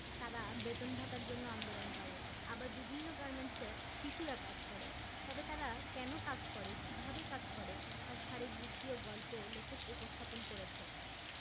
তারা বেতন ভাতার জন্য আন্দোলন করে আবার বিভিন্ন গার্মেন্টসে শিশুরা কাজ করে তবে তারা কেন কাজ করে কিভাবে কাজ করে তা শরীরবৃত্তীয় গল্পে লেখক উপস্থাপন করেছেন